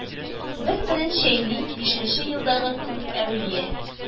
Бер-берен чәйни Бишенче елдагы күп әүлия